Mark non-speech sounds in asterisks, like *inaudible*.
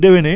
*hesitation* *hesitation*